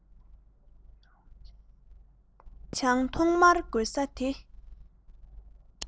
མྱོང བྱང ཐོག མར དགོད ས དེ